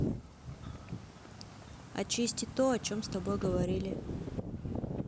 очистить то о чем с тобой говорили